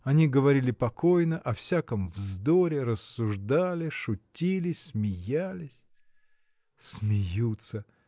Они говорили покойно о всяком вздоре, рассуждали, шутили, смеялись. Смеются!